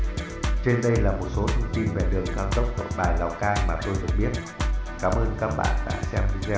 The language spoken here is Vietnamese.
trên đây là một số thông tin về đường cao tốc nội bài lào cai mà tôi được biết cám ơn các bạn đã xem video